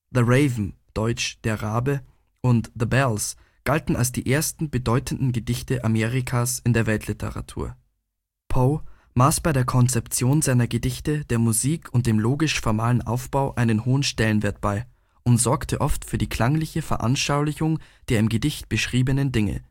Raven (deutsch Der Rabe) und The Bells gelten als die ersten bedeutenden Gedichte Amerikas in der Weltliteratur. Poe maß bei der Konzeption seiner Gedichte der Musik und dem logisch-formalen Aufbau einen hohen Stellenwert bei und sorgte oft für die klangliche Veranschaulichung der im Gedicht beschriebenen Dinge